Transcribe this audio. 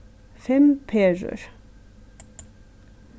fimm perur